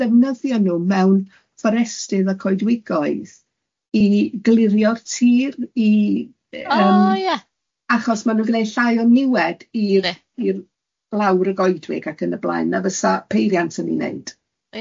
defnyddio nw mewn fforestydd a coedwigoedd i glirio'r tir i yym... O ia?... achos ma' nw'n gneud llai o niwed i'r... Yndi... i'r lawr y goedwig ac yn y blaen, na fysa peiriant yn ei neud.